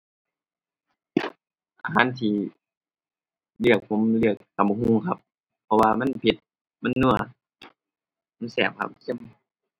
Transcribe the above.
อาหารที่เลือก ผมเลือกตำบักหุ่งครับ เพราะว่ามันเผ็ด มันนัว มันแซ่บครับ เค็ม